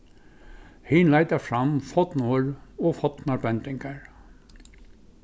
hin leitar fram forn orð og fornar bendingar